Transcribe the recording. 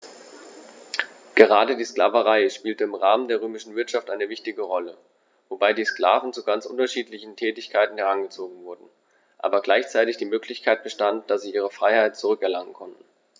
Gerade die Sklaverei spielte im Rahmen der römischen Wirtschaft eine wichtige Rolle, wobei die Sklaven zu ganz unterschiedlichen Tätigkeiten herangezogen wurden, aber gleichzeitig die Möglichkeit bestand, dass sie ihre Freiheit zurück erlangen konnten.